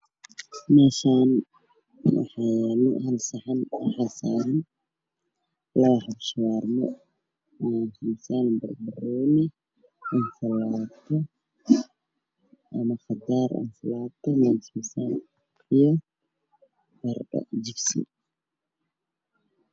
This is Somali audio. Meeshaani waxaa yaalo hal saxan waxaa saaran laba xabo Shuwaarmo yaanyo sibirzaan, barbarooni, ansalato ama ansalaato iyo qajaar yaanyo sibirzaan baradho jibsi